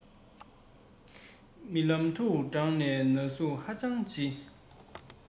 རྨི ལམ མཐུགས དྲགས པས ན ཟུག ཧ ཅང ལྕི